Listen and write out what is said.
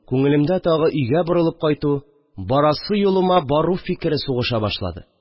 Күңелемдә тагы өйгә борылып кайту, барасы юлыма бару фикере сугыша башлады